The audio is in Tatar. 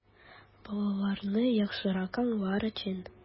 Балаларын яхшырак аңлар өчен!